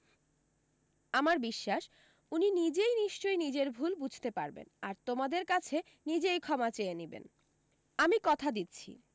আমার বিশ্বাস উনি নিজই নিশ্চয় নিজের ভুল বুঝতে পারবেন আর তোমাদের কাছে নিজই ক্ষমা চেয়ে নেবেন আমি কথা দিচ্ছি